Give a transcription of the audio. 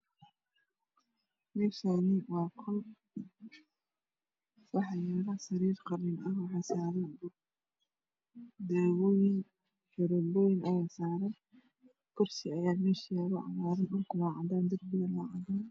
Meshani waa qol waxaa yaala sariir qaliin ah waxaa saaran daawoyin sharoboyin ayaa saran kursi aya mesha yala dhulku waa cadan darbigana waa cadan